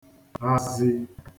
ghazī